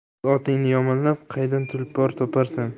o'z otingni yomonlab qaydan tulpor toparsan